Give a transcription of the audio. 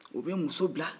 u bɛ muso bila